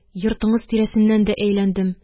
Йортыңыз тирәсеннән дә әйләндем.